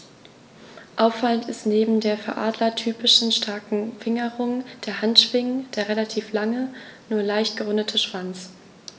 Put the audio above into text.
Auffallend ist neben der für Adler typischen starken Fingerung der Handschwingen der relativ lange, nur leicht gerundete Schwanz.